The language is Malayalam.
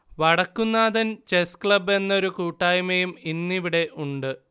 വടക്കുംനാഥൻ ചെസ് ക്ളബ്ബ് എന്നൊരു കൂട്ടായ്മയും ഇന്നിവിടെ ഉണ്ട്